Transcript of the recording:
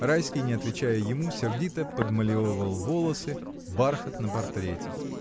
Райский, не отвечая ему, сердито подмалевывал волосы, бархат на портрете.